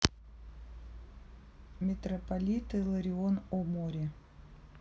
митрополиты ларион о море